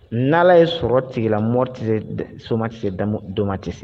N ye sɔrɔ tigila m tɛse soma tɛse dɔ tɛse